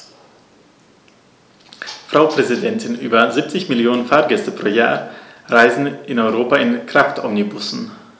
Frau Präsidentin, über 70 Millionen Fahrgäste pro Jahr reisen in Europa mit Kraftomnibussen.